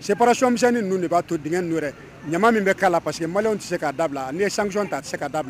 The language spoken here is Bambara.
Séparation misɛnnin ninnu de b'a to dingɛ ninnu yɛrɛ, ɲaman min bɛ k'a la parce que maliyɛnw tɛ se ka dabila ni ye sanction ta a tɛ se ka dabila